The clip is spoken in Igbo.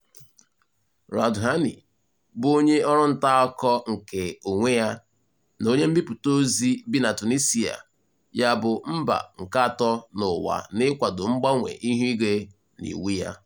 Radhouane bụ onye ọrụ nta akụkọ nke onwe na onye mbipụta ozi bi na Tunisia, ya bụ mba nke atọ n'ụwa n'ikwado mgbanwe ihu igwe na iwu ya.